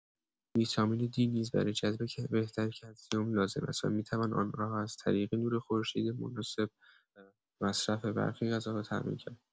ویتامین دی نیز برای جذب بهتر کلسیم لازم است و می‌توان آن را از طریق نور خورشید مناسب و مصرف برخی غذاها تأمین کرد.